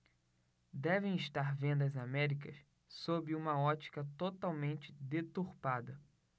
devem estar vendo as américas sob uma ótica totalmente deturpada